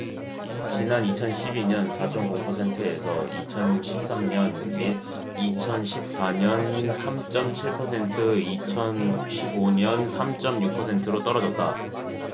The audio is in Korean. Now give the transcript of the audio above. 지난 이천 십 이 년 사 쩜 공 퍼센트에서 이천 십 삼 년 및 이천 십 사 년 삼 쩜 칠 퍼센트 이천 십 오 년 삼 쩜 육 퍼센트로 떨어졌다